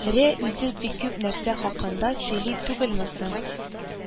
Ре үзе бик күп нәрсә хакында сөйли түгелме соң